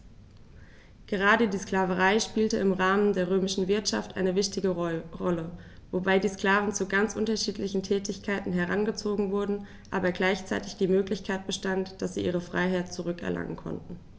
Gerade die Sklaverei spielte im Rahmen der römischen Wirtschaft eine wichtige Rolle, wobei die Sklaven zu ganz unterschiedlichen Tätigkeiten herangezogen wurden, aber gleichzeitig die Möglichkeit bestand, dass sie ihre Freiheit zurück erlangen konnten.